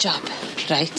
Jab reit.